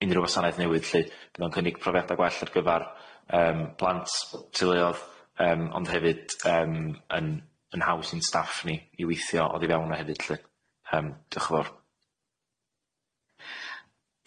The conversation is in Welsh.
unryw wasanaeth newydd lly yn cynnig profiada gwell ar gyfar yym plant tyluodd yym ond hefyd yym yn yn haws i'n staff ni i weithio oddi fewn o hefyd lly yym diolch yn fawr.